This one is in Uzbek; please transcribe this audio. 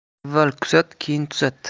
avval kuzat keyin tuzat